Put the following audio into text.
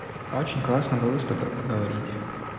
очень классно было с тобой поговорить